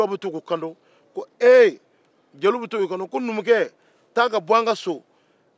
jeliw bɛ to k'u kanto ko numukɛ taa ka bɔ an so